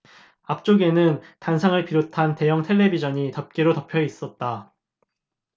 앞쪽에는 단상을 비롯해 대형 텔레비전이 덮개로 덮여있었다